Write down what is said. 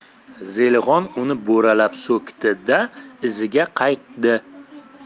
zelixon uni bo'ralab so'kdi da iziga qaytdi